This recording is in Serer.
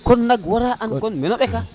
kon nak wara an kon mena ɓeta